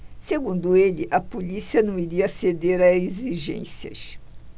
segundo ele a polícia não iria ceder a exigências